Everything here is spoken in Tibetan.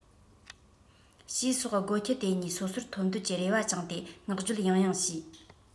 ཞེས སོགས སྒོ ཁྱི དེ གཉིས སོ སོར འཐོབ འདོད ཀྱི རེ བ བཅངས ཏེ བསྔགས བརྗོད ཡང ཡང བྱས